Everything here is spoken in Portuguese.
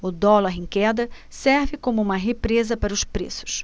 o dólar em queda serve como uma represa para os preços